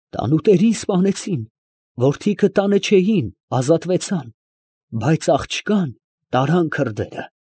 Տանուտերին սպանեցին. որդիքը տանը չէին, ազատվեցան, բայց աղջկան տարան քրդերը։